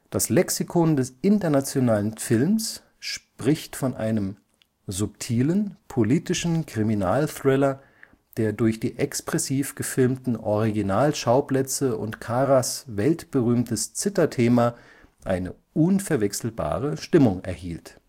Das Lexikon des Internationalen Films spricht von einem „ subtilen politischen Kriminalthriller, der durch die expressiv gefilmten Originalschauplätze und Karas’ weltberühmtes Zither-Thema eine unverwechselbare Stimmung erhielt